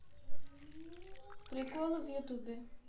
приколы в ютубе